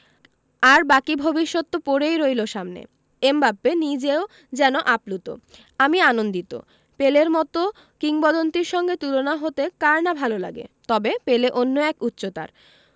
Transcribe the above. আর বাকি ভবিষ্যৎ তো পড়েই রইল সামনে এমবাপ্পে নিজেও যেন আপ্লুত আমি আনন্দিত পেলের মতো কিংবদন্তির সঙ্গে তুলনা হতে কার না ভালো লাগে তবে পেলে অন্য এক উচ্চতার